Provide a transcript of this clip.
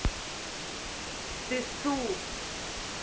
ты су